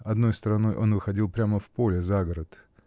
одной стороной он выходил прямо в поле, за город.